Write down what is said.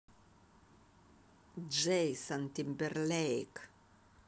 джейсон тимберлейк